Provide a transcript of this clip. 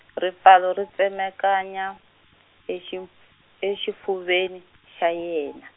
ripfalo ri tsemakanya, exif- exifuveni, xa yena.